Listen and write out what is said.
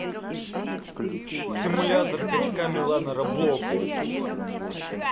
симулятор качка милана роблокс